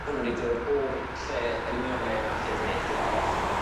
O'n nw wedi dod o'r lle yr union le 'ma lle 'dyn ni all di dal e os di moyn